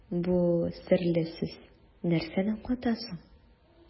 Бу серле сүз нәрсәне аңлата соң?